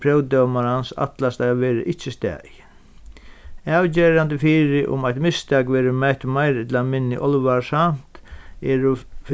próvdómarans ætlast at vera ikki staðin avgerandi fyri um eitt mistak verður mett meir ella minni álvarsamt eru